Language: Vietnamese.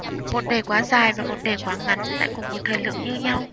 một đề quá dài và một đề quá ngắn lại cùng một thời lượng như nhau